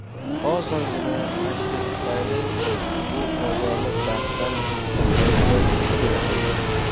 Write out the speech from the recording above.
osongina tashrih tufayli bu ozorli darddan qutulganiga shukr qildi